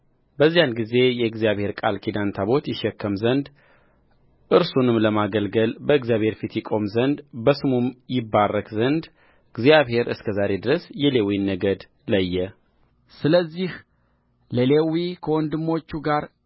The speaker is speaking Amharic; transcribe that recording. በዚያን ጊዜ የእግዚአብሔርን ቃል ኪዳን ታቦት ይሸከም ዘንድ እርሱንም ለማገልገል በእግዚአብሔር ፊት ይቆም ዘንድ በስሙም ይባርክ ዘንድ እግዚአብሔር እስከ ዛሬ ድረስ የሌዊን ነገድ ለየ ስለዚህ ለሌዊ ከወንድሞቹ ጋር